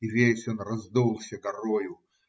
И весь он раздулся горою.